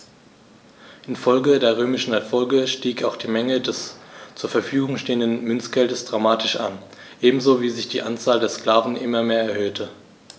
Infolge der römischen Erfolge stieg auch die Menge des zur Verfügung stehenden Münzgeldes dramatisch an, ebenso wie sich die Anzahl der Sklaven immer mehr erhöhte.